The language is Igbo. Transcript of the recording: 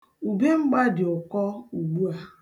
Ubemgba dị ụkọ ugbu a.